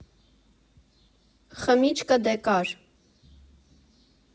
Խմիչքը դե կար։